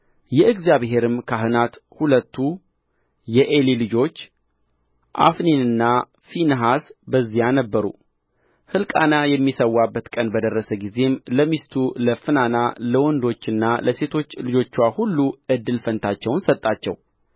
የእግዚአብሔርም ካህናት ሁለቱ የዔሊ ልጆች አፍኒንና ፊንሐስ በዚያ ነበሩ ሕልቃና የሚሠዋበት ቀን በደረሰ ጊዜም ለሚስቱ ለፍናና ለወንዶችና ለሴቶች ልጆችዋ ሁሉ እድል ፈንታቸውን ሰጣቸው